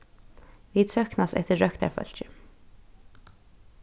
vit sóknast eftir røktarfólki